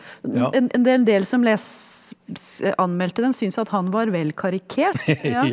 en en en del som anmeldte den, syns at han var vel karikert ja.